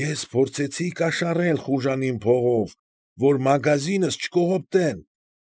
Ես փորձեցի կաշառել խուժանին փողով, որ մագազինս չկողոպտեն։